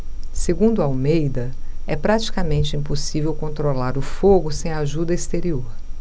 segundo almeida é praticamente impossível controlar o fogo sem ajuda exterior